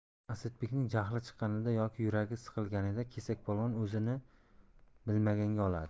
asadbekning jahli chiqqanida yoki yuragi siqilganida kesakpolvon o'zini bilmaganga oladi